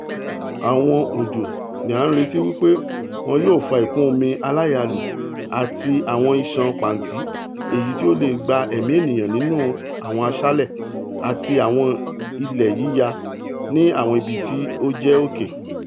Àwọn òjò ni a rètí wí pé wọn yóò fa ìkún-omi aláyalù àti àwọn ìsàn pàǹtí èyití ó leè gba ẹ̀mí ènìyàn nínú àwọn asálẹ̀, àti àwọn ilẹ̀ yíya ní awọn ibití ó jẹ́ òkè.